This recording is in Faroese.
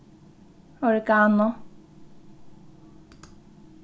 oregano